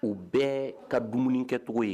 O bɛɛ ka dumuni kɛcogo ye